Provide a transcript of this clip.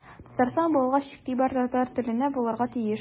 Татарстан булгач игътибар татар теленә булырга тиеш.